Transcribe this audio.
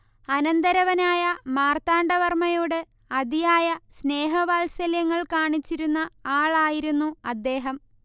അനന്തരവനായ മാർത്താണ്ഡവർമ്മയോട് അതിയായ സ്നേഹവാത്സല്യങ്ങൾ കാണിച്ചിരുന്ന ആളായിരുന്നു അദേഹം